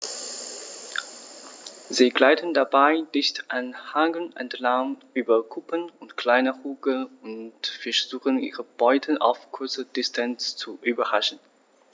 Sie gleiten dabei dicht an Hängen entlang, über Kuppen und kleine Hügel und versuchen ihre Beute auf kurze Distanz zu überraschen.